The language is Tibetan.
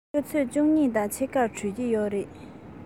ཆུ ཚོད བཅུ གཉིས དང ཕྱེད ཀར གྲོལ གྱི རེད